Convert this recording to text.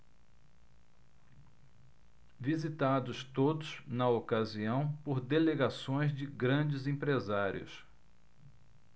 visitados todos na ocasião por delegações de grandes empresários